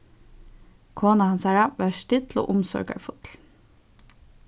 kona hansara var still og umsorgarfull